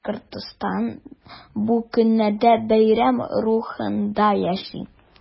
Башкортстан бу көннәрдә бәйрәм рухында яши.